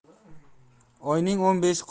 oyning o'n beshi qorong'u